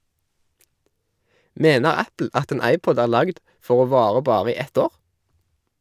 - Mener Apple at en iPod er lagd for å vare bare i ett år?